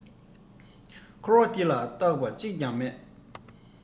འཁོར བ འདི ལ རྟག པ གཅིག ཀྱང མེད